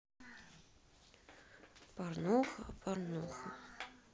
порнуха порнуха